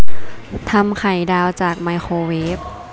ทำไข่ดาวจากไมโครเวฟ